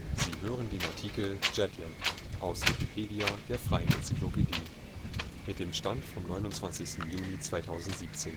Sie hören den Artikel Jetlag, aus Wikipedia, der freien Enzyklopädie. Mit dem Stand vom